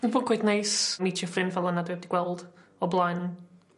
Ma' bod cweit neis mîtio ffrind fel yna dwi 'eb 'di gweld o blaen.